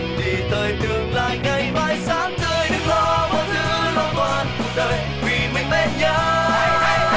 cùng đi tới tương lai ngày mai sáng tươi đừng lo mọi thứ lo toan cuộc đời vì mình bên nhau